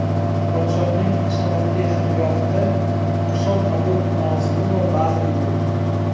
podshohning hashamatli xirgohida oqshom qabul marosimi va bazm bo'ldi